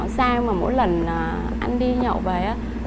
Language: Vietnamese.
sao mà mỗi lần là anh đi nhậu về á